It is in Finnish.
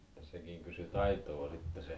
ja sekin kysyi taitoa sitten se